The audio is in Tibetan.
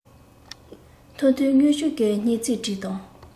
མཐོང ཐོས དངོས བྱུང གི སྙན ཚིག བྲིས དང